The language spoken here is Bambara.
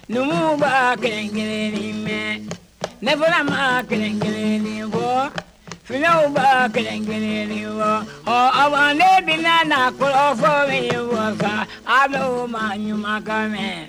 Numu ba kelen kelen mɛn ne fana ma kelen kelen fɔ filaw ba kelen kelen wa ne bɛ na nafolo fɔ min wa a dɔw ma ɲumanka mɛn